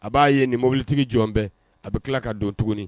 A b'a ye nin mobilitigi jɔn bɛɛ a bɛ tila ka don tuguni